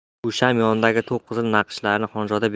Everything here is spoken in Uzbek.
u sham yonidagi to'q qizil naqshlarni xonzoda